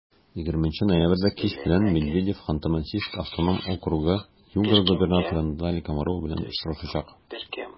20 ноябрьдә кич белән медведев ханты-мансийск автоном округы-югра губернаторы наталья комарова белән очрашачак.